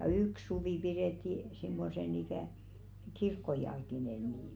ja yksi suvi pidettiin semmoisena ikään kirkkojalkineena niitä